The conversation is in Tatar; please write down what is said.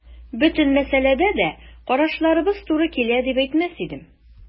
Бөтен мәсьәләдә дә карашларыбыз туры килә дип әйтмәс идем.